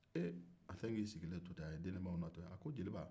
a y'i sigilen to ka denibaw natɔ ye a ko jeliba